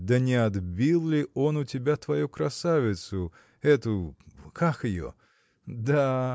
да не отбил ли он у тебя твою красавицу, эту. как ее? да!